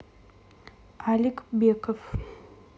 алик беков